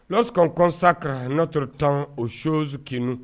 Lorsqu'on consacre notre temps aux choses qui nous